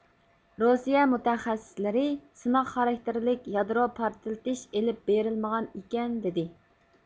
روسىيە مۇتەخەسسىسلىرى سىناق خاراكتېرلىك يادرو پارتلىتىش ئېلىپ بېرىلمىغان ئىكەن دىدى